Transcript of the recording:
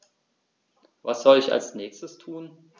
Was soll ich als Nächstes tun?